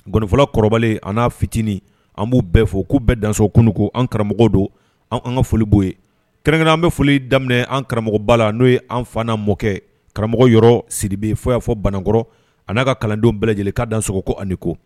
Gfɔ kɔrɔba an n'a fitinin an b'u bɛɛ fɔ kou bɛɛ danso kununko an karamɔgɔ don an an ka folibo ye kɛrɛn an bɛ foli daminɛ an karamɔgɔba la n'o ye an fa mɔ kɛ karamɔgɔ yɔrɔ siribe fɔ y'a fɔ banakɔrɔ ani n'a ka kalandenw bɛɛ lajɛlen ka dansoko ani ko